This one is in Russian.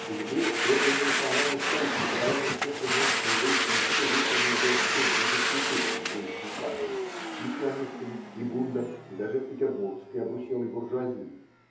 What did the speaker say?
– У евреев требование национальной школы, с преподаванием всех предметов на еврейском языке выставлено было всеми, без исключения, еврейскими партиями: и сионистами, и Бундом, и даже петербургской обруселой буржуазией.